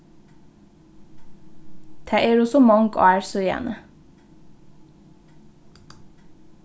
tað eru so mong ár síðani